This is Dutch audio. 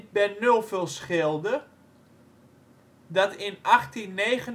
Bernulphusgilde, dat in 1869